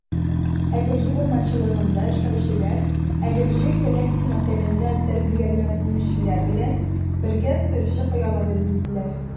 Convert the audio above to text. Әгерҗе урманчылыгында эшләүчеләр Әгерҗе коррекция мәктәбендә тәрбияләнүчеләр белән бергә сыерчык оялары элделәр.